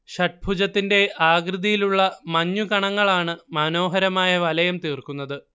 ഷഡ്ഭുജത്തിന്റെ ആകൃതിയിലുള്ള മഞ്ഞുകണങ്ങളാണ് മനോഹരമായ വലയം തീർക്കുന്നത്